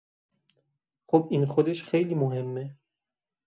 خب این خودش خیلی مهمه.